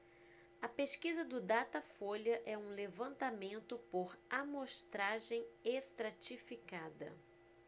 a pesquisa do datafolha é um levantamento por amostragem estratificada